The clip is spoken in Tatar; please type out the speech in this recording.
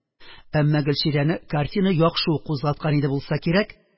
Әмма Гөлчирәне картина яхшы ук кузгаткан иде булса кирәк,